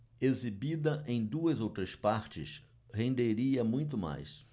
exibida em duas ou três partes renderia muito mais